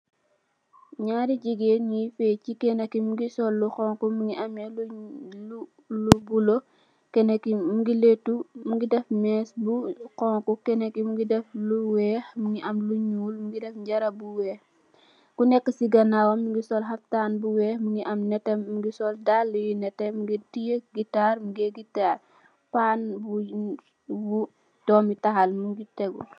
Ñaari jigéen ñi fecci, Kenna ki mugii sol lu xonxu mugii ameh lu bula. Kenna ki mugii def més bu xonxu, Kenna ki mugii def lu wèèx mugii am lu ñuul, mugii def jara bu wèèx, ku nèkka ci ganaw mugii sol xaptan bu wèèx mugii am netteh mugii sol dalli yu netteh mugii teyeh guitar, mugèè guitar. Pan bu doomi tahal mugii tégu.